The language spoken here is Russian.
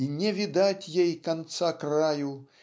и не видать ей конца-краю